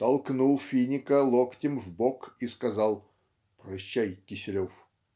толкнул Финика локтем в бок и сказал "Прощай, Киселев".